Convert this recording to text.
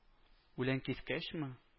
Үләнкискечме